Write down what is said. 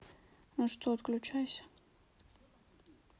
ну что отключайся